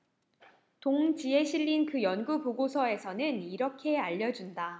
동 지에 실린 그 연구 보고서에서는 이렇게 알려 준다